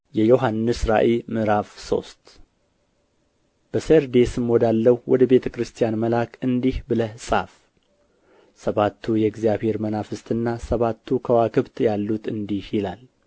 የዮሐንስ ራእይ ምዕራፍ ሶስት በሰርዴስም ወዳለው ወደ ቤተ ክርስቲያን መልአክ እንዲህ ብለህ ጻፍ ሰባቱ የእግዚአብሔር መናፍስትና ሰባቱ ከዋክብት ያሉት እንዲህ ይላል